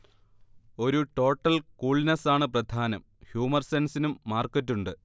ഒരു ടോട്ടൽ കൂൾനെസ്സാണ് പ്രധാനം ഹ്യുമർെസൻസിനും മാർക്കറ്റുണ്ട്